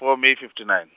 four May fifty nine.